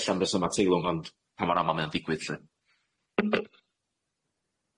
Ella am resyma teilwng ond pan mor amal mae o'n digwydd lly.